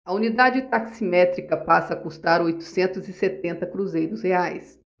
a unidade taximétrica passa a custar oitocentos e setenta cruzeiros reais